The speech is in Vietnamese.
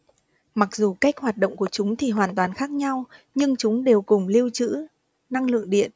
mặc dù cách hoạt động của chúng thì hoàn toàn khác nhau nhưng chúng đều cùng lưu trữ năng lượng điện